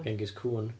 Genghis cŵn.